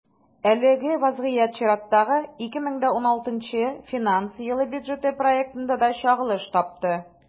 Әлеге вазгыять чираттагы, 2016 финанс елы бюджеты проектында да чагылыш тапты.